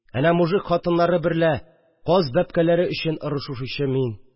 Әнә мужик хатыннары берлә каз бәбкәләре өчен орышышучы мин